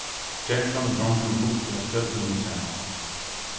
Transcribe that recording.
gentan og drongurin hugdu at stjørnunum saman